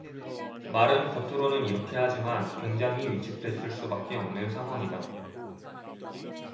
말은 겉으로는 이렇게 하지만 굉장히 위축됐을 수밖에 없는 상황이다